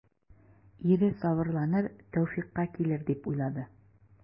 Ире сабырланыр, тәүфыйкка килер дип уйлады.